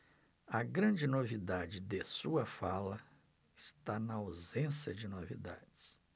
a grande novidade de sua fala está na ausência de novidades